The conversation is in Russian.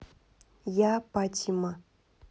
я патима